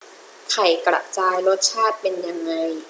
ไข่กระจายรสชาติเป็นยังไง